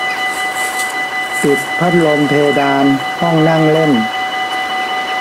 ปิดพัดลมเพดานห้องนั่งเล่น